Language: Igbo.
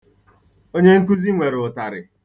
Onye nkụzi nwere ụtarị.